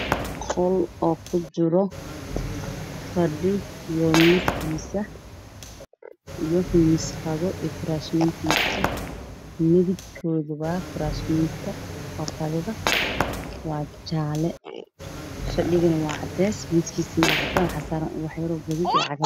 Waa qol fadhi ama xafiis